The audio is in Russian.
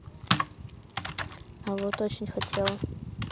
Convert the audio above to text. а вот очень хотела